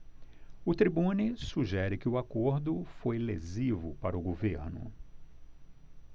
o tribune sugere que o acordo foi lesivo para o governo